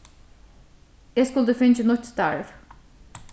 eg skuldi fingið nýtt starv